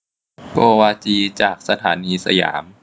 โกวาจีจากสถานีสยาม